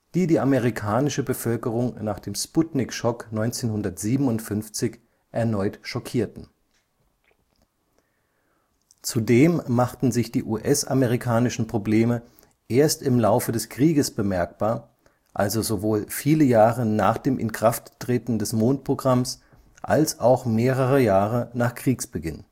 die die amerikanische Bevölkerung nach dem Sputnikschock 1957 erneut schockierten. Zudem machten sich die US-amerikanischen Probleme erst im Laufe des Krieges bemerkbar, also sowohl viele Jahre nach dem Inkrafttreten des Mondprogramms als auch mehrere Jahre nach Kriegsbeginn